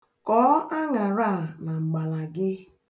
Kọọ aṅara a na mgbala gị.